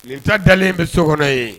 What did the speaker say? Ninsa dalenlen bɛ so kɔnɔ ye